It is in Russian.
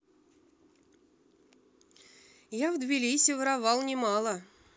я в тбилиси воровал немало